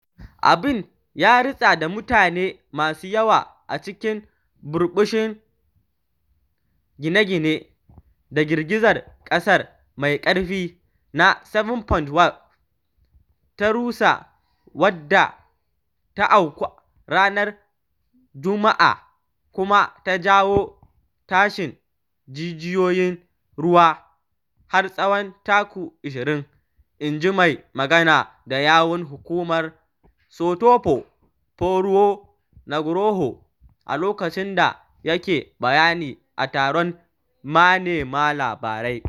Abin ya ritsa da mutane masu yawa a cikin burbushin gine-gine da girgizar ƙasar mai ƙarfi na 7.5 ta rusa wadda ta auku ranar Juma’a kuma ta jawo tashin jijiyoyin ruwa har tsawon taku 20, inji mai magana da yawun hukumar Sutopo Purwo Nugroho a lokacin da yake bayani a taron manema labarai.